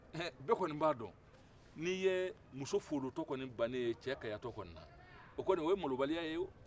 bɛɛ kɔni b'a dɔ n'i ye muso foolotɔ kɔni bannen cɛ kayatɔ kɔni na o kɔni o ye malobaliya ye